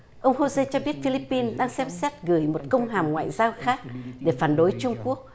ông hâu rê cho biết phi líp pin đang xem xét gửi một công hàm ngoại giao khác để phản đối trung quốc